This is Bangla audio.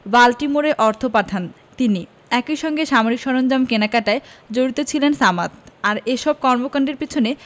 বাল্টিমোরে অর্থ পাঠান তিনি একই সঙ্গে সামরিক সরঞ্জাম কেনাকাটায় জড়িত ছিলেন সামাদ আর এসব কর্মকাণ্ডের পেছনে